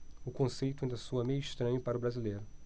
o conceito ainda soa meio estranho para o brasileiro